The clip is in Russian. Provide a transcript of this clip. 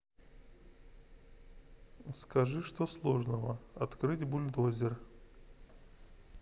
скажи что сложного открыть браузер